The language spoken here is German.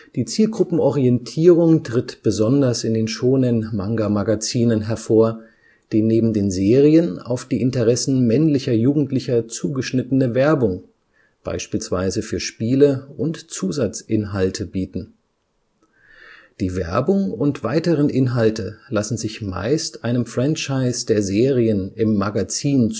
Die Zielgruppenorientierung tritt besonders in den Shōnen-Manga-Magazinen hervor, die neben den Serien auf die Interessen männlicher Jugendlicher zugeschnittene Werbung, beispielsweise für Spiele, und Zusatzinhalte bieten. Die Werbung und weiteren Inhalte lassen sich meist einem Franchise der Serien im Magazin